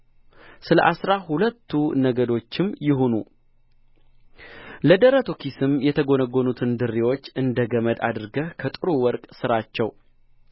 ስለ አሥራ ሁለቱ ነገዶችም ይሁኑ ለደረቱ ኪስም የተጐነጐኑትን ድሪዎች እንደ ገመድ አድርገህ ከጥሩ ወርቅ ሥራቸው